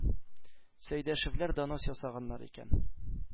Сәйдәшевләр донос ясаганнар икән,